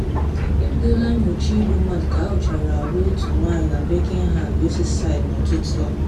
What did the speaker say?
Ebidola nnyocha igbu mmadụ ka ahụchara ahụ otu nwanyị na Birkenhard, Merseyside n’ụtụtụ a.